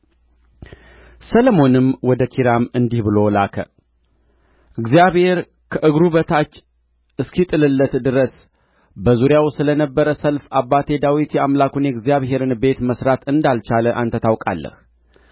ሰሎሞንም ወደ ኪራም እንዲህ ብሎ ላከ እግዚአብሔር ከእግሩ በታች እስኪጥልለት ድረስ በዙሪያው ስለ ነበረ ሰልፍ አባቴ ዳዊት የአምላኩን የእግዚአብሔርን ቤት መሥራት እንዳልቻለ አንተ ታውቃለህ